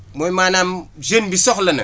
mooy maanaam jeune bi soxla na